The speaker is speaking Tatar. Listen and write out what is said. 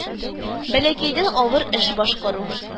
Бәләкәйдән авыр эш башкару